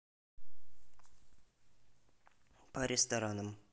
по ресторанам